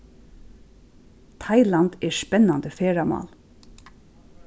tailand er spennandi ferðamál